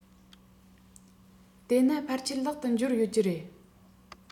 དེས ན ཕལ ཆེར ལག ཏུ འབྱོར ཡོད ཀྱི རེད